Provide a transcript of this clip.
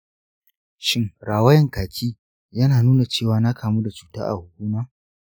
shin rawayan kaki yana nuna cewa na kamu da cuta a huhu na?